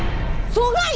giồi ôi